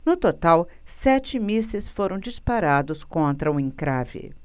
no total sete mísseis foram disparados contra o encrave